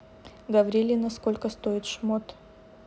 гаврилина сколько стоит шмот